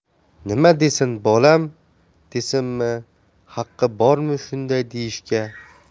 nima desin bolam desinmi haqqi bormi shunday deyishga